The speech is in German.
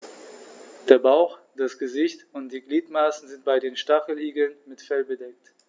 Der Bauch, das Gesicht und die Gliedmaßen sind bei den Stacheligeln mit Fell bedeckt.